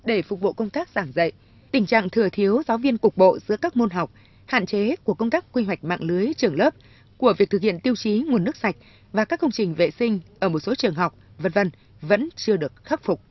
để phục vụ công tác giảng dạy tình trạng thừa thiếu giáo viên cục bộ giữa các môn học hạn chế của công tác quy hoạch mạng lưới trường lớp của việc thực hiện tiêu chí nguồn nước sạch và các công trình vệ sinh ở một số trường học vân vân vẫn chưa được khắc phục